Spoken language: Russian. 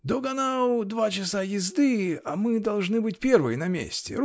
до Ганау -- два часа езды, а мы должны быть первые на месте.